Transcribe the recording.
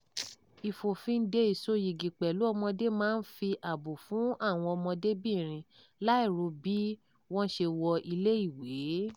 Ìfòfinde ìsoyìgì pẹ̀lú ọmọdé máa ń fi ààbò fún àwọn ọmọdébìnrin, láì ro bí wọ́n ṣe wọ ilé ìwé.